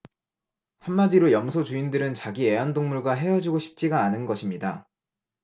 한마디로 염소 주인들은 자기 애완동물과 헤어지고 싶지가 않은 것입니다